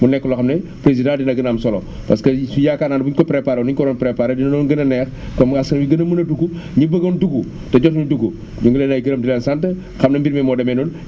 mu nekk loo xam ne président dina gën a am solo parce que yaakaar naa ne bu ñu ko préparé woon ni ñu ko waroon préparé dina doon gën a neex kon askan wi gën a mën a dugg ñi bëggoon dugg te jotuñu dugg ñu ngi leen ay gërëm di leen sant xam ne mbir mi moo demee noonu